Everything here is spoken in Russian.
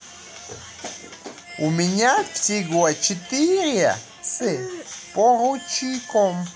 у меня всего четыре с поручиком